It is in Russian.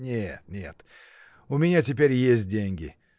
— Нет, нет — у меня теперь есть деньги.